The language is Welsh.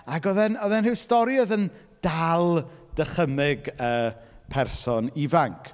Ac oedd e'n, oedd e'n rhyw stori oedd yn, dal dychymyg, yy, person ifanc.